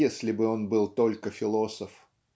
если бы он был только философ.